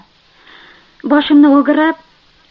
boshimni o'girib